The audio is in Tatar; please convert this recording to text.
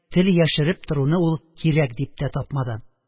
Тел яшереп торуны ул кирәк дип тә тапмады